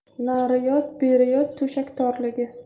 nari yot beri yot to'shak torligi